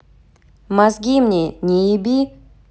мозги мне не еби